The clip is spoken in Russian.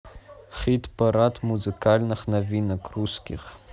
хит парад музыкальных новинок русских